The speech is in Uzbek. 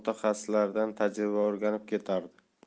mutaxassislaridan tajriba o'rganib ketardi